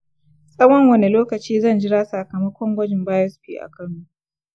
tsawon wane lokaci zan jira sakamakon gwajin biopsy a kano?